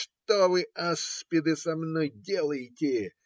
- Что вы, аспиды, со мной делаете?.